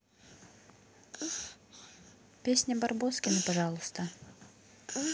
песня барбоскины пожалуйста